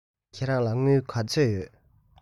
ཁྱེད རང ལ དངུལ ག ཚོད ཡོད